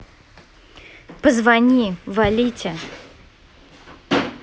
позвони валите